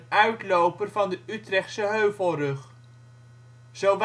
uitloper van de Utrechtse Heuvelrug. Zo